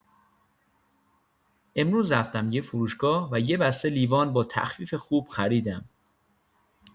امروز رفتم یه فروشگاه و یه بسته لیوان با تخفیف خوب خریدم.